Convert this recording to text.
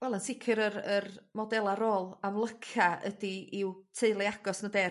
Wel yn sicir yr yr modela' rôl amlyca ydi i'w teulu agos nw 'de?